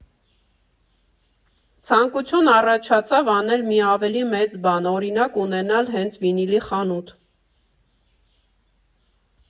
Ցանկություն առաջացավ անել մի ավելի մեծ բան, օրինակ՝ ունենալ հենց վինիլի խանութ։